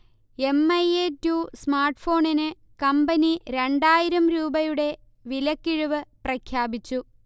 M. I. A. Two സ്മാർട്ഫോണിന് company രണ്ടായിരം രൂപയുടെ വിലക്കിഴിവ് പ്രഖ്യാപിച്ചു